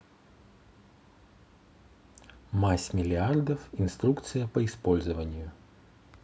мазь миллиардов инструкция по использованию